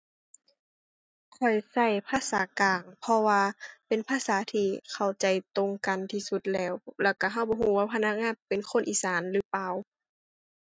ข้อยใช้ภาษากลางเพราะว่าเป็นภาษาที่เข้าใจตรงกันที่สุดแล้ว แล้วใช้ใช้บ่ใช้ว่าพนักงานเป็นคนอีสานหรือเปล่า